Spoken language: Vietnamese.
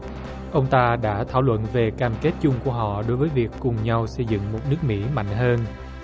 ông ta đã thảo luận về cam kết chung của họ đối với việc cùng nhau xây dựng một nước mỹ mạnh hơn